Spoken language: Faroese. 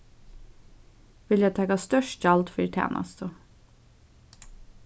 vilja taka stórt gjald fyri tænastu